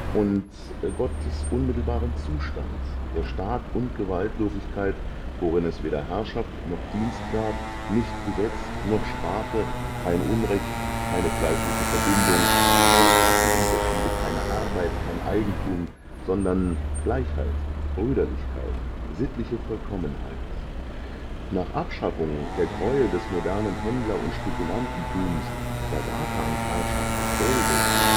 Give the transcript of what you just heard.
und gottesunmittelbaren Zustands “der „ Staat - und Gewaltlosigkeit (…), worin es weder Herrschaft noch Dienst gab, nicht Gesetz noch Strafe, kein Unrecht, keine fleischliche Verbindung, keine Klassenunterschiede, keine Arbeit, kein Eigentum, sondern Gleichheit, Brüderlichkeit, sittliche Vollkommenheit. “Nach Abschaffung „ der Greuel des modernen Händler - und Spekulantentums (…) der Satansherrschaft des Geldes, des